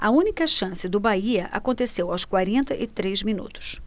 a única chance do bahia aconteceu aos quarenta e três minutos